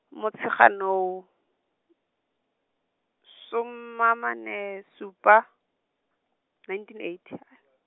Motshegano-, soma a mane supa, nineteen eighty .